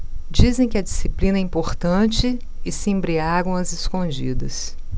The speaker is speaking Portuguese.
dizem que a disciplina é importante e se embriagam às escondidas